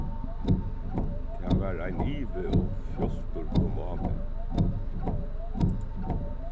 tað var ein ivi og fjáltur kom á meg